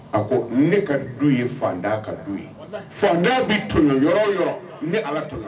A ko ne ka du ye fatan ka du ye fatan bɛ to ne ala